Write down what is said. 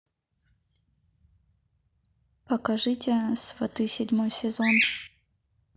покажите сваты седьмой сезон